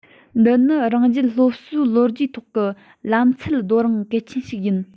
འདི ནི རང རྒྱལ སློབ གསོའི ལོ རྒྱུས ཐོག གི ལམ ཚད རྡོ རིང གལ ཆེན ཞིག རེད